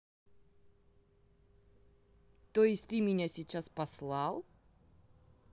то есть ты у меня сейчас послал